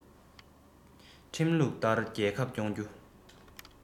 ཁྲིམས ལུགས ལྟར རྒྱལ ཁབ སྐྱོང རྒྱུ